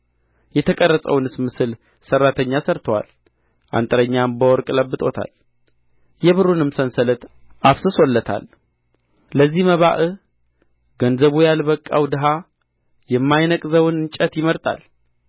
የተቀረጸውንስ ምስል ሠራተኛ ሠርቶታል አንጥረኛም በወርቅ ለብጦታል የብሩንም ሰንሰለት አፍስሶለታል ለዚህ መባዕ ገንዘቡ ያልበቃው ድሀ የማይነቅዘውን እንጨት ይመርጣል